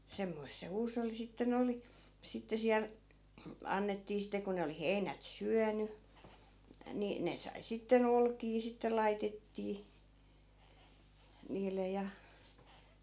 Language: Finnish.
semmoista se huusholli sitten oli sitten siellä annettiin sitten kun ne oli heinät syönyt niin ne sai sitten olkia sitten laitettiin niille ja